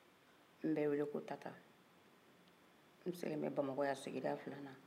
n bɛ wele ko tata n sigi bɛ bamako yan sigida filalan